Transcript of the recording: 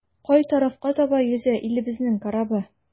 Кай тарафка таба йөзә илебезнең корабы?